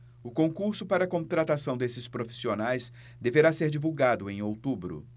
o concurso para contratação desses profissionais deverá ser divulgado em outubro